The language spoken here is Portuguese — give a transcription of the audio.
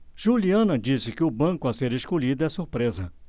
juliana disse que o banco a ser escolhido é surpresa